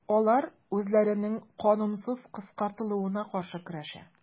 Алар үзләренең канунсыз кыскартылуына каршы көрәшә.